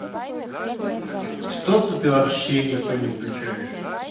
что то ты вообще никто включаешь